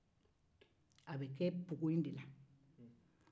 a bɛ kɛ npogo in de la